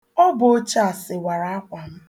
̣Ọ bụ oche a sewara akwa m